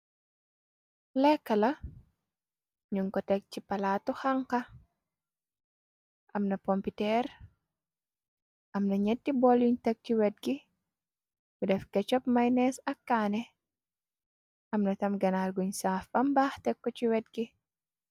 Lekka la nun ko teg ci palaatu xanka amna pomputeer. Amna gñetti boll yuñ tek ci wet gi bu def kecop may nees. Ak kaane amna tam genaal guñ saaf bambaax tekk ci wet gi.